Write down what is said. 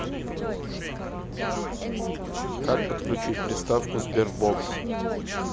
как подключить приставку sberbox